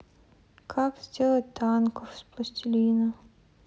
как сделать танков из пластилина